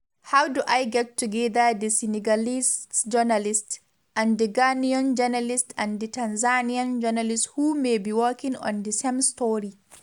“How do I get together the Senegalese journalist, and the Ghanaian journalist and the Tanzanian journalist who may be working on the same story?